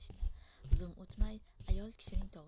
zum o'tmay ayol kishining tovushi